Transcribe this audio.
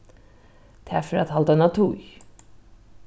tað fer at halda eina tíð